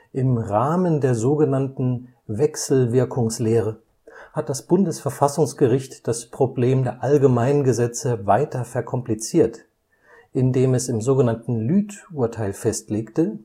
Im Rahmen der sogenannten „ Wechselwirkungslehre “hat das Bundesverfassungsgericht das Problem der allgemeinen Gesetze weiter verkompliziert, indem es im sogenannten Lüth-Urteil festlegte: Die